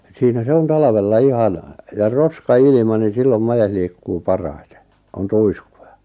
siinä se on talvella ihan ja roskailma niin silloin made liikkuu parhaiten on tuiskuja